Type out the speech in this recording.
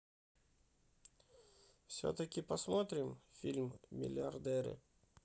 все таки посмотрим фильм миллиарды